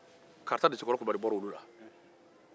karita dɛsɛkɔrɔ kulubali bɔra olu la